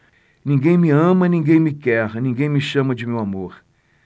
ninguém me ama ninguém me quer ninguém me chama de meu amor